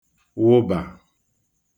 mabànye